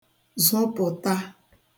zụpụ̀ta